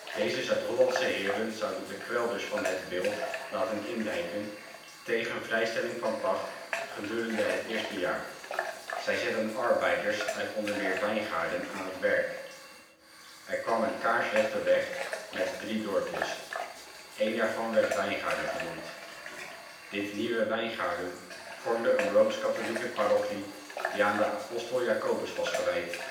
Deze Zuid-Hollandse Heren zouden de kwelders van Het Bildt laten indijken tegen vrijstelling van pacht gedurende het eerste jaar. Zij zetten arbeiders uit onder meer Wijngaarden aan het werk. Er kwam een kaarsrechte weg, met drie dorpjes. Een daarvan werd Wijngaarden genoemd. Dit nieuwe Wijngaarden vormde een rooms-katholieke parochie die aan de apostel Jacobus was gewijd